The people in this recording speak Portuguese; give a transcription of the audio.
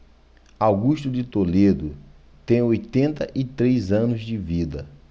augusto de toledo tem oitenta e três anos de vida